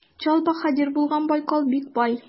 Чал баһадир булган Байкал бик бай.